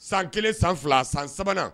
San kelen san fila san sabanan